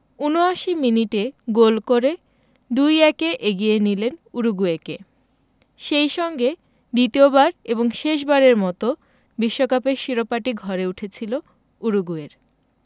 ৭৯ মিনিটে গোল করে ২ ১ এ এগিয়ে নিলেন উরুগুয়েকে সেই সঙ্গে দ্বিতীয়বার এবং শেষবারের মতো বিশ্বকাপের শিরোপাটি ঘরে উঠেছিল উরুগুয়ের